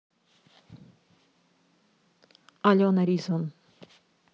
алена ризван